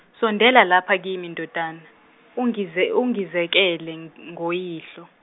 sondela lapha kimi ndodana, ungize- ungizekele ng- ngoyihlo.